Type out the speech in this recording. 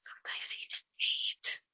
A wedais i ddim byd.